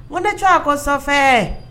O ne ce ko fɛ